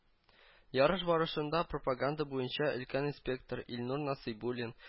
Ярыш барышына пропаганда буенча өлкән инспектор Илнур Насыйбуллин